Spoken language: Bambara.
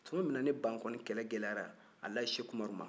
tuma minna ni bankɔni kɛlɛ gɛlɛyara alaji seku umaru ma